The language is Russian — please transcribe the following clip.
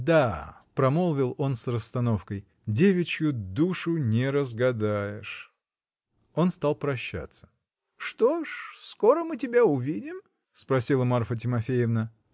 -- Да, -- промолвил он с расстановкой, -- девичью душу не разгадаешь. Он стал прощаться. -- Что ж? Скоро мы тебя увидим? -- спросила Марфа Тимофеевна.